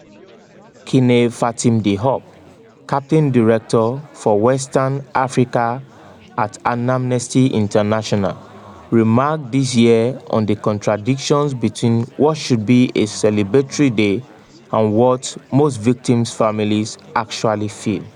Kiné-Fatim Diop, campaign director for Western Africa at Amnesty International, remarked this year on the contradictions between what should be a celebratory day and what most victims’ families actually feel: